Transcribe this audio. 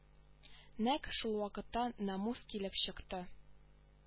Нәкъ шулвакытта намус килеп чыкты